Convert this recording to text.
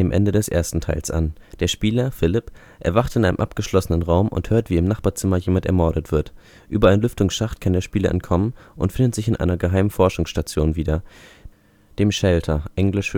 Ende des ersten Teiles an. Der Spieler (Philipp) erwacht in einem abgeschlossenen Raum und hört, wie im Nachbarzimmer jemand ermordet wird. Über einen Lüftungsschacht kann der Spieler entkommen, und findet sich in einer geheimen Forschungsstation wieder, dem Shelter (engl.